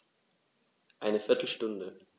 Eine viertel Stunde